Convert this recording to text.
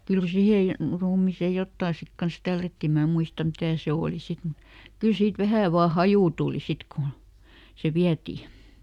kyllä siihen ruumiiseen jotakin sitten kanssa tällättiin minä muista mitä se oli sitten mutta kyllä siitä vähän vain haju tuli sitten kun se vietiin